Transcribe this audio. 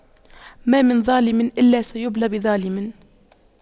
ما من ظالم إلا سيبلى بظالم